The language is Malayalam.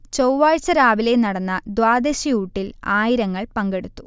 ചൊവ്വാഴ്ച രാവിലെ നടന്ന ദ്വാദശിഊട്ടിൽ ആയിരങ്ങൾ പങ്കെടുത്തു